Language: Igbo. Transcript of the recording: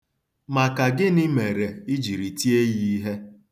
Maka gịnị mere i jiri tie ya ihe?